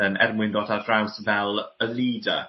yn er mwyn dod ar draws fel a leader.